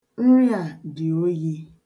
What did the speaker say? Nri a dị oyi.